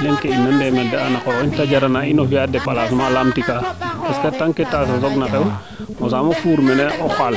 meeke in way te jarana in o fiya deplacement loomtika parce que tang ke te soog na xew mosaamo fuur mene o xaal